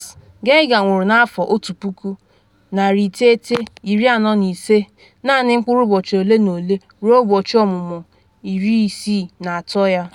“Hans” Geiger nwụrụ n’afọ 1945, naanị mkpụrụ ụbọchị ole ma ole ruo ụbọchị ọmụmụ 63 ya.